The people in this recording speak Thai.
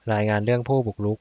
รายงานเรื่องผู้บุกรุก